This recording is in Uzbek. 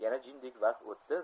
yana jindak vaqt o'tsin